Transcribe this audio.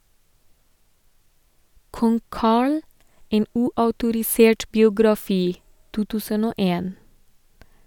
"Kong Carl, en uautorisert biografi", 200 1.